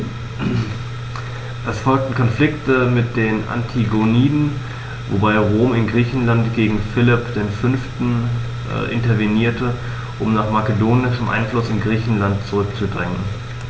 Es folgten Konflikte mit den Antigoniden, wobei Rom in Griechenland gegen Philipp V. intervenierte, um den makedonischen Einfluss in Griechenland zurückzudrängen.